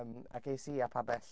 Yym ac es i â pabell...